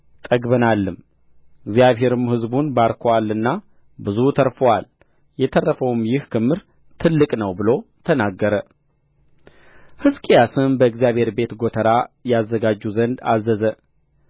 ጠግበናልም እግዚአብሔር ሕዝቡን ባርኮአልና ብዙ ተርፎአል የተረፈውም ይህ ክምር ትልቅ ነው ብሎ ተናገረ ሕዝቅያስም በእግዚአብሔር ቤት ጐተራ ያዘጋጁ ዘንድ አዘዘ